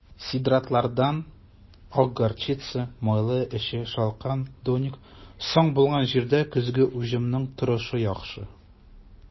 Сидератлардан (ак горчица, майлы әче шалкан, донник) соң булган җирдә көзге уҗымның торышы яхшы.